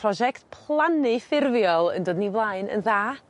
prosiect plannu ffurfiol yn dod yn 'i flaen yn dda.